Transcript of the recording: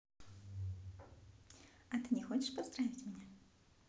а ты не хочешь поздравить меня